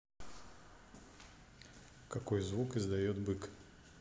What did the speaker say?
какой звук издает бык